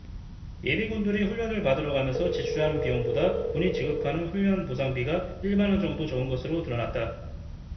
예비군들이 훈련을 받으러 가면서 지출하는 비용보다 군이 지급하는 훈련 보상비가 일 만원 정도 적은 것으로 드러났다